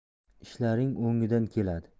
ishlaring o'ngidan keladi